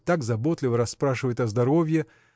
так заботливо расспрашивает о здоровье.